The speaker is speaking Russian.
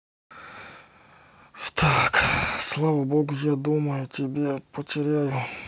слава богу я думал тебя потеряю